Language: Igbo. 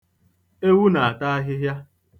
Ewu na-ata ahịhịa.